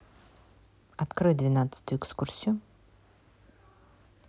открой двенадцатую экскурсию